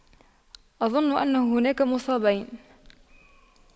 أظن أنه هناك مصابين